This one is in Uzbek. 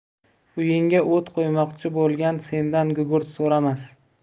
uyingga o't qo'ymoqchi bo'lgan sendan gugurt so'ramas